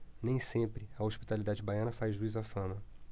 nem sempre a hospitalidade baiana faz jus à fama